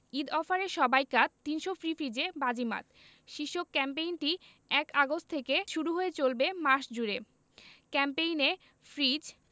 ঈদ অফারে সবাই কাত ৩০০ ফ্রি ফ্রিজে বাজিমাত শীর্ষক ক্যাম্পেইনটি ১ আগস্ট থেকে শুরু হয়ে চলবে মাস জুড়ে ক্যাম্পেইনে ফ্রিজ